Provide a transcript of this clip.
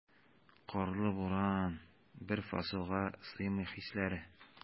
Карлы буран, бер фасылга сыймый хисләре.